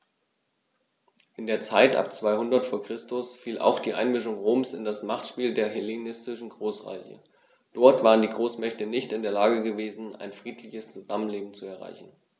In die Zeit ab 200 v. Chr. fiel auch die Einmischung Roms in das Machtspiel der hellenistischen Großreiche: Dort waren die Großmächte nicht in der Lage gewesen, ein friedliches Zusammenleben zu erreichen.